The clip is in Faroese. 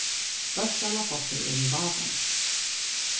bøsdalafossur er í vágum